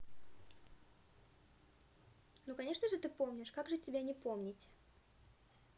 ну конечно же ты помнишь как же тебя не помнить